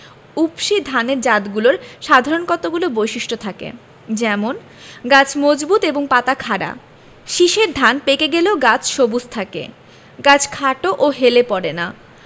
উফশী ধানের জাতগুলোর সাধারণ কতগুলো বৈশিষ্ট্য থাকে যেমনঃ গাছ মজবুত এবং পাতা খাড়া শীষের ধান পেকে গেলেও গাছ সবুজ থাকে গাছ খাটো ও হেলে পড়ে না